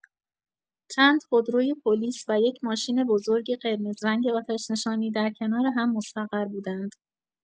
چند خودروی پلیس و یک ماشین بزرگ قرمزرنگ آتش‌نشانی در کنار هم مستقر بودند.